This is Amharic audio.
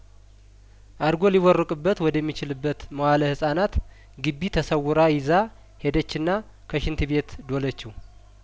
አድጐ ሊቦርቅበት ወደሚ ችልበት መዋእለህጻናት ግቢ ተሰውራ ይዛ ሄደችና ከሽንት ቤት ዶለችው